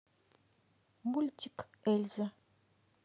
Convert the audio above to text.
мультик эльза